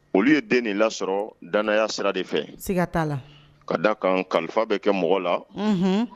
Olu ye den de lasɔrɔ danaya sira de fɛ. Siga t'a la. Ka d'a kan kalifa bɛ kɛ mɔgɔ la. Unhun.